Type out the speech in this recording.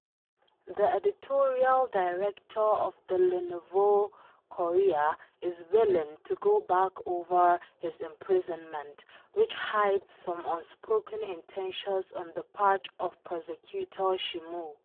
The editorial director of the “Le Nouveau Courrier” is willing to go back over this imprisonment which hides some unspoken intentions on the part of Prosecutor Tchimou.